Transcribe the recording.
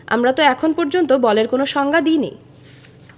আমরা তো এখন পর্যন্ত বলের কোনো সংজ্ঞা দিইনি